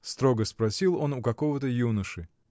— строго спросил он у какого-то юноши.